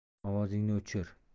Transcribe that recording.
ovozingni o'chir